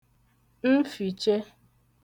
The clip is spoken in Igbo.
nfìche